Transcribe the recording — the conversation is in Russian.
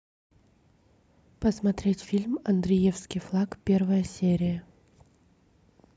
посмотреть фильм андреевский флаг первая серия